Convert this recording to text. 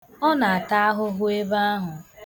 Ọ na-ata ahụhụ ebe ahụ.